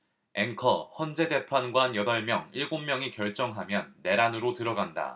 앵커 헌재 재판관 여덟 명 일곱 명이 결정하면 내란으로 들어간다